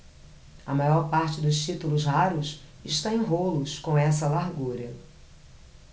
a maior parte dos títulos raros está em rolos com essa largura